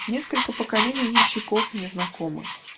несколько поколений ямщиков мне знакомы